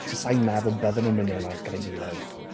So sai'n meddwl bydden nhw'n mynd nôl gyda'i gilydd.